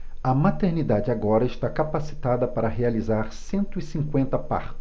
a maternidade agora está capacitada para realizar cento e cinquenta partos